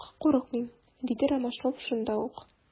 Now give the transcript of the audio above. Юк, курыкмыйм, - диде Ромашов шунда ук.